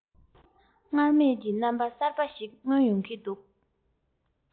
སྔར མེད ཀྱི རྣམ པ གསར པ ཞིག མངོན ཡོང གི འདུག